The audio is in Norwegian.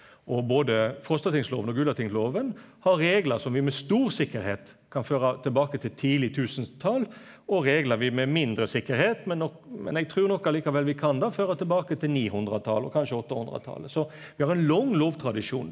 og både Frostatingsloven og Gulatingsloven har reglar som vi med stor sikkerheit kan føra tilbake til tidleg tusental og reglar vi med mindre sikkerheit men nok men eg trur nok likevel vi kan da føre tilbake til nihundretalet og kanskje åttehundretalet så vi har ein lang lovtradisjon.